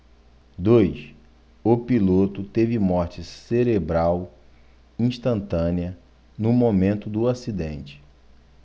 dois o piloto teve morte cerebral instantânea no momento do acidente